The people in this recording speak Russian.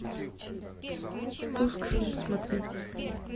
спуск фильм смотреть